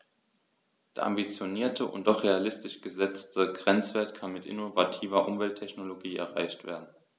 Der ambitionierte und doch realistisch gesetzte Grenzwert kann mit innovativer Umwelttechnologie erreicht werden.